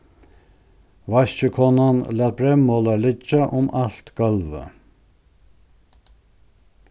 vaskikonan læt breyðmolar liggja um alt gólvið